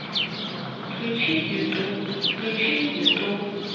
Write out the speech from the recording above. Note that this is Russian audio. включить ютуб включить ютуб